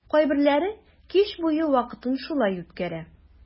Кайберләре кич буе вакытын шулай үткәрә.